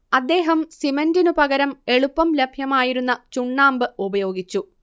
അദ്ദേഹം സിമന്റിനു പകരം എളുപ്പം ലഭ്യമായിരുന്ന ചുണ്ണാമ്പ് ഉപയോഗിച്ചു